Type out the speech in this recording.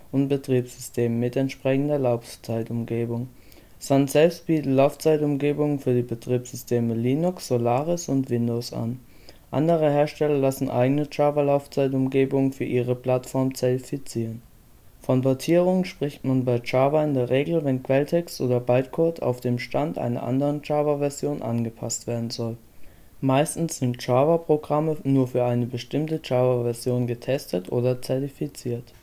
und Betriebssystemen mit entsprechender Laufzeitumgebung. Sun selbst bietet Laufzeitumgebungen für die Betriebssysteme Linux, Solaris und Windows an. Andere Hersteller lassen eigene Java-Laufzeitumgebungen für ihre Plattform zertifizieren. Von Portierung spricht man bei Java in der Regel, wenn Quelltext oder Bytecode auf den Stand einer anderen Java-Version angepasst werden soll. Meistens sind Java-Programme nur für bestimmte Java-Versionen getestet oder zertifiziert